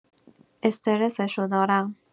استرسشو دارم